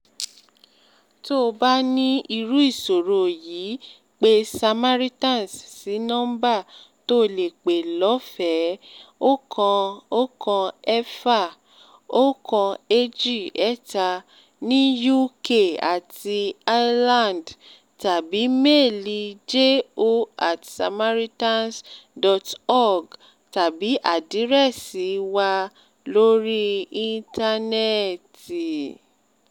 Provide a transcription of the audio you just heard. To bá ní irú ìṣoro yìí pe Samaritans sí nọ́ḿbà to lè pè lọ́fẹ̀ẹẹ 116 123 (ní UK àti Ireland), tàbí méèlì jo@samaritans.org tàbí àdírẹ̀sì wa lóri íntánẹ́ẹ́tì.